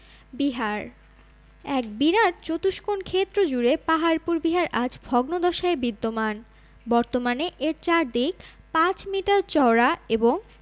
বিহার এক বিরাট চতুষ্কোণ ক্ষেত্র জুড়ে পাহাড়পুর বিহার আজ ভগ্নদশায় বিদ্যমান বর্তমানে এর চারদিক ৫ মিটার চওড়া এবং